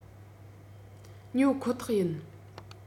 ཉོ ཁོ ཐག ཡིན